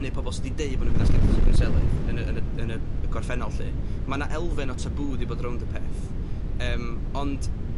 ne' pobol sy 'di deu' bo' nw'n mynd at cwns- gwnselydd yn y yn y yn y y gorffennol 'lly, ma' 'na elfen o tabŵ 'di bod rownd y peth, yym ond